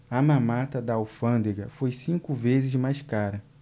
a mamata da alfândega foi cinco vezes mais cara